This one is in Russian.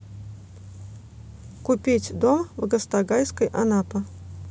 купить дом в гастогайской анапа